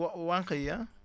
wa wànq yi ah